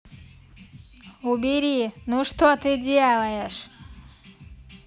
убери ну что ты делаешь